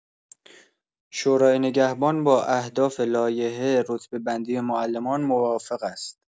شورای نگهبان با اهداف لایحه رتبه‌بندی معلمان موافق است.